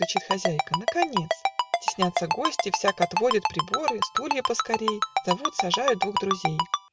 - Кричит хозяйка: - наконец!" Теснятся гости, всяк отводит Приборы, стулья поскорей Зовут, сажают двух друзей.